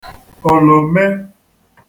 òlòme